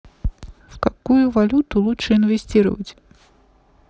в какую валюту лучше инвестировать